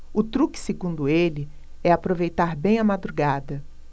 o truque segundo ele é aproveitar bem a madrugada